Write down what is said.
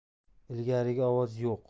ilgarigi ovoz yo'q